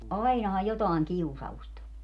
ainahan jotakin kiusausta on